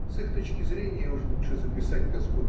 С их точки зрения уж лучше записать гг.